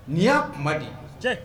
N'i y'a ma di cɛ